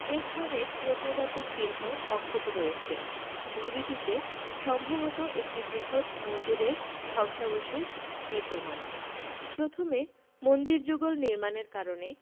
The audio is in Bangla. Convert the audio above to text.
এ স্থানের প্রত্নতাত্ত্বিক চিহ্ন অক্ষত রয়েছে ঢিবিটিতে সম্ভবত একটি বৃহৎ মন্দিরের ধ্বংসাবশেষ বিদ্যমান প্রথমে মন্দির যুগল নির্মাণের কারণে